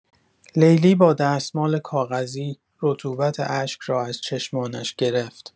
لیلی با دستمال کاغذی، رطوبت اشک را از چشمانش گرفت.